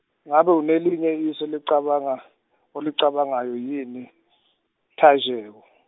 ngabe unelinye isu olicabanga- olicabangayo yini , Tajewo?